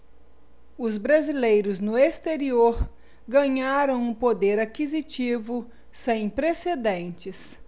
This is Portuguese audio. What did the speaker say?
os brasileiros no exterior ganharam um poder aquisitivo sem precedentes